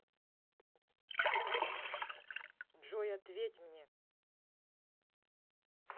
джой ответь мне